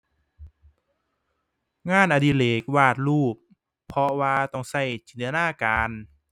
งานอดิเรกวาดรูป เพราะว่าต้องใช้จินตนาการ